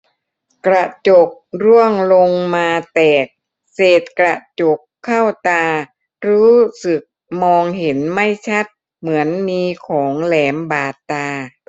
กระจกร่วงลงมาแตกเศษกระจกเข้าตารู้สึกมองเห็นไม่ชัดเหมือนมีของแหลมบาดตา